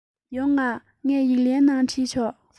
ཡོང ང ངས ཡིག ལན ནང བྲིས ཆོག